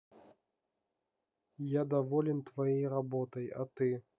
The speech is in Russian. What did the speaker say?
я доволен твоей работой а ты